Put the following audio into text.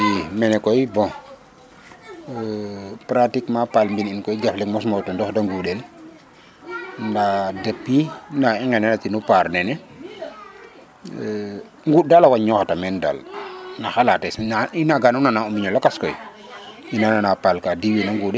i mene koy bon pratiquement paal mbin in koy jaf leŋ mos mo weta ndoox de ŋundel nda depuis na i ŋenatinu paar mene ŋuuɗ dal a waño xata meen daal na xalates i nanga no nana o mbiño lakas koy no ina nana paal ka diwiin a ŋuɗe